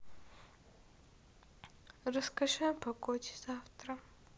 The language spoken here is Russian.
расскажи о погоде завтра